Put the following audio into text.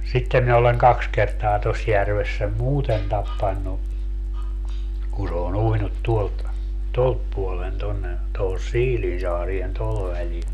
sitten minä olen kaksi kertaa tuossa järvessä sen muuten tappanut kun se on uinut tuolta tuolta puolen tuonne tuohon Siilinsaareen tuohon välille